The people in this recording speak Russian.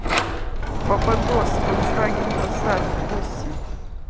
пападос фольксваген пассат в восемь